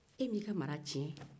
e ma i ka mara tiɲɛ